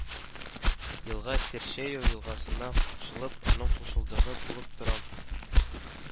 Елга Серчейю елгасына кушылып, аның кушылдыгы булып тора